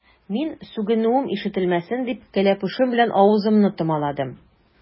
Мин, сүгенүем ишетелмәсен дип, кәләпүшем белән авызымны томаладым.